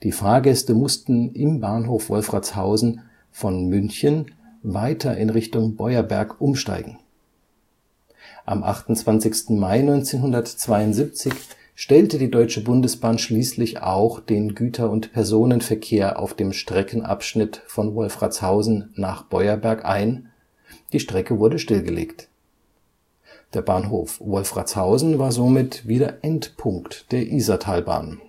Fahrgäste mussten im Bahnhof Wolfratshausen von München weiter in Richtung Beuerberg umsteigen. Am 28. Mai 1972 stellte die Deutsche Bundesbahn schließlich auch den Güter - und Personenverkehr auf dem Streckenabschnitt von Wolfratshausen nach Beuerberg ein, die Strecke wurde stillgelegt. Der Bahnhof Wolfratshausen war somit wieder Endpunkt der Isartalbahn